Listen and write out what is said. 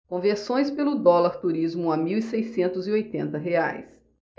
conversões pelo dólar turismo a mil seiscentos e oitenta reais